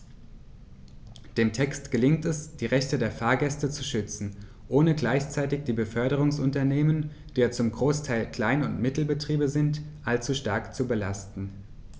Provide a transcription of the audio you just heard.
Dem Text gelingt es, die Rechte der Fahrgäste zu schützen, ohne gleichzeitig die Beförderungsunternehmen - die ja zum Großteil Klein- und Mittelbetriebe sind - allzu stark zu belasten.